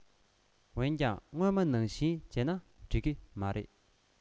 འོན ཀྱང སྔོན མ ནང བཞིན བྱས ན འགྲིག གི མ རེད